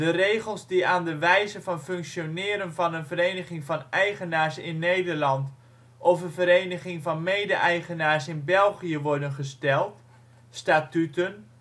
regels die aan de wijze van functioneren van een Vereniging van Eigenaars in Nederland of een Vereniging van Mede-eigenaars in België worden gesteld (statuten